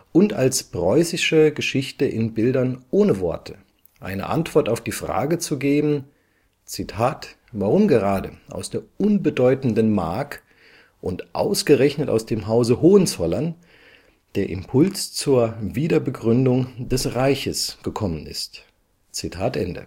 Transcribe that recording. und als preußische Geschichte in Bildern ohne Worte eine Antwort auf die Frage zu geben, „ warum gerade aus der unbedeutenden Mark und ausgerechnet aus dem Hause Hohenzollern der Impuls zur „ Wiederbegründung “des Reiches gekommen ist. “Im